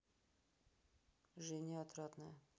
женя отрадная